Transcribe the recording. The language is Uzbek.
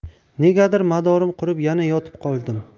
negadir madorim qurib yana yotib qoldim